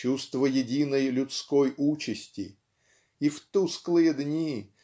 чувство единой людской участи и в тусклые дни